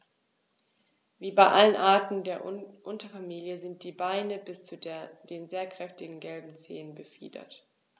Wie bei allen Arten der Unterfamilie sind die Beine bis zu den sehr kräftigen gelben Zehen befiedert.